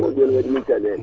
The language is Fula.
moƴu ngu ne waɗi min caɗele